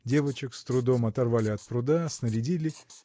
Девочек с трудом оторвали от пруда, снарядили.